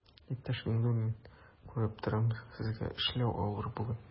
Иптәш Миңнуллин, күреп торам, сезгә эшләү авыр бүген.